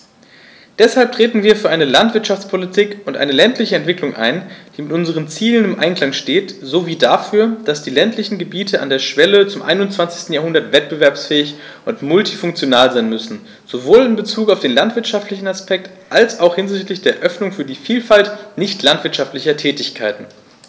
Deshalb treten wir für eine Landwirtschaftspolitik und eine ländliche Entwicklung ein, die mit unseren Zielen im Einklang steht, sowie dafür, dass die ländlichen Gebiete an der Schwelle zum 21. Jahrhundert wettbewerbsfähig und multifunktional sein müssen, sowohl in Bezug auf den landwirtschaftlichen Aspekt als auch hinsichtlich der Öffnung für die Vielfalt nicht landwirtschaftlicher Tätigkeiten.